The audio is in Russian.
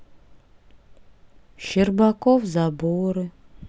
щербаков заборы